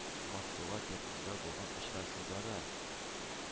Матбугат йортында булган очрашуда да